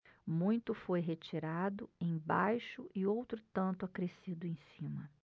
muito foi retirado embaixo e outro tanto acrescido em cima